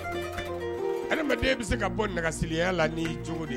Den bɛ se ka bɔ nɛgɛsieliya la n cogo de ye